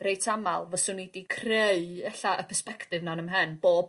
reit amal fyswn i 'di creu ella y persbectif 'na yn 'ym mhen bo'...